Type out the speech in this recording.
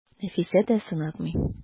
Нәфисә дә сынатмый.